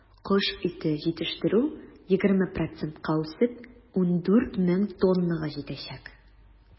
Кош ите җитештерү, 20 процентка үсеп, 14 мең тоннага җитәчәк.